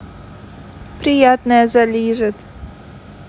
приятная залижет